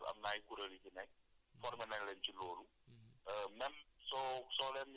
du xam moo tax su fekkee préférence am na ay kuréel yu fi nekk former nañ leen ci loolu